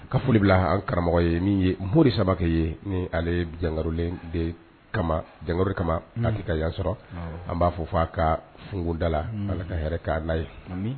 Ka foli bila karamɔgɔ ye ni ye moriri sabakɛ ye ni ale jankorolen de kama janri kama anta ya sɔrɔ an b'a fɔ fɔ aa ka fda la ala ka hɛrɛ ka'a na ye